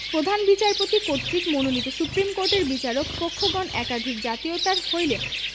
প্রধান বিচারপতি কর্তৃক মনোনীত সুপ্রীম কোর্টের বিচারক পক্ষঘণ একাধিক জাতীয়তার হইলে